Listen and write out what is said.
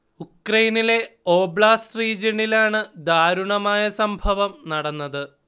ഉക്രെയിനിലെ oblast റീജിയണിലാണ് ദാരുണമായ സംഭവം നടന്നത്